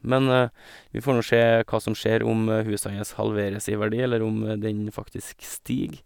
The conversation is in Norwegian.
Men vi får nå se hva som skjer, om huset hans halveres i verdi eller om den faktisk stiger.